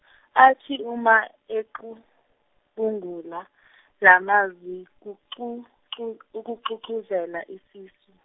athi uma ecubungula lamazwi kuxuxum- kuxhuxhuzela isisu.